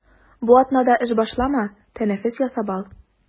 Бу атнада эш башлама, тәнәфес ясап ал.